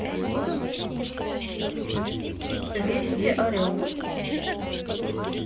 вести орел